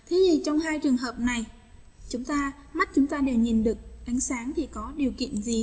cái gì trong hai trường hợp này chúng ta mắt chúng ta đều nhìn được ánh sáng thì có điều kiện gì